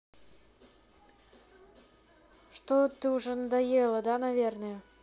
что ты уже надоела да наверное